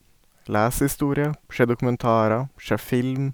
Lese historie, se dokumentarer, se film.